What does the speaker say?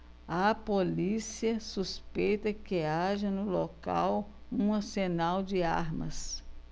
a polícia suspeita que haja no local um arsenal de armas